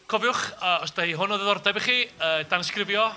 Cofiwch os 'di hwn o ddiddordeb i chi yy danysgrifio